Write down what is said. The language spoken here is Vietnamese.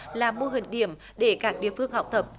là mô hình điểm để các địa phương học tập